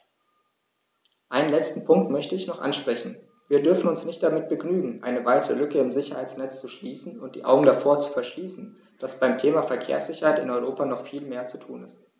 Einen letzten Punkt möchte ich noch ansprechen: Wir dürfen uns nicht damit begnügen, eine weitere Lücke im Sicherheitsnetz zu schließen und die Augen davor zu verschließen, dass beim Thema Verkehrssicherheit in Europa noch viel mehr zu tun ist.